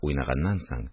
Уйнаганнан соң